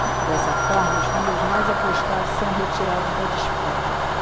dessa forma os números mais apostados são retirados da disputa